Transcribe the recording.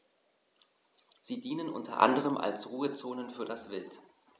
Sie dienen unter anderem als Ruhezonen für das Wild.